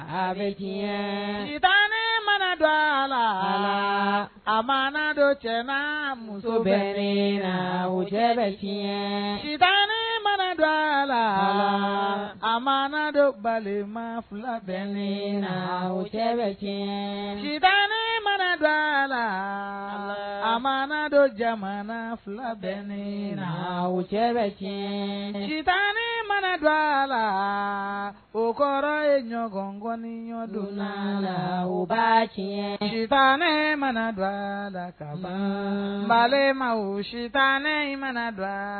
Saba tan mana dɔ a la a ma dɔ cɛ muso bɛ la wo cɛ bɛ tan mana dɔ a la a ma dɔ balima fila bɛ ne la wo cɛ bɛ kɛta mana dɔ la a ma dɔ jamana fila bɛ ne la wo cɛ bɛ cɛ tan ne mana dɔ la o kɔrɔ ye ɲɔgɔnkɔni ɲɔdon la la u ba kɛ tan ne mana dɔ la ka balima wo sita in mana don